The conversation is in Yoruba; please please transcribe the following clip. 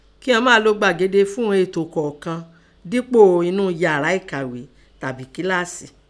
Kían máa lo gbàgede fún ọn ètò kọ̀ọ̀kàn dépò ẹnú ẹyàrá ẹ̀kàghé tàbín kẹláàsì.